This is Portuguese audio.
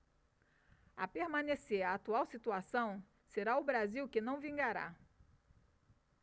a permanecer a atual situação será o brasil que não vingará